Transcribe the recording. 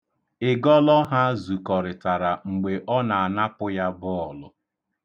Ịgọlọ ha zukọrịtara mgbe ọ na-anapụ ya bọọlu.̣